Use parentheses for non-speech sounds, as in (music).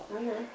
(hesitation) (hesitation)